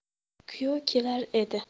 kuyov kelar edi